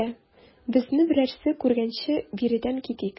Әйдә, безне берәрсе күргәнче биредән китик.